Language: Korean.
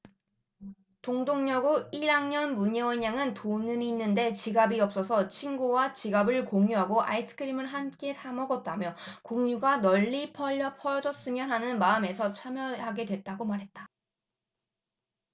동덕여고 일 학년 문예원 양은 돈은 있는데 지갑이 없어서 친구와 지갑을 공유하고 아이스크림을 함께 사먹었다며 공유가 널리 퍼졌으면 하는 마음에서 참여하게 됐다고 말했다